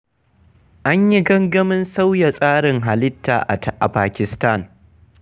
An yi gangamin sauya tsarin halitta a Pakistan